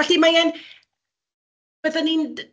Felly mae e'n... byddwn i'n d-